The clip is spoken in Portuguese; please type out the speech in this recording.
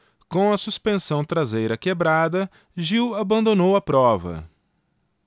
com a suspensão traseira quebrada gil abandonou a prova